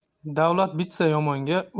davlat bitsa yomonga